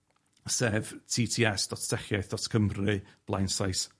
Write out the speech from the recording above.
sef tee tee ess dot techiaeth dot Cymru, blaen slaes